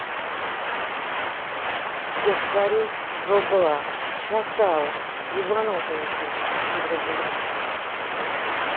я творю труба шатал ебанутая ты дура блядь